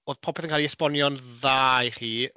Oedd popeth yn cael ei esbonio'n dda i chi.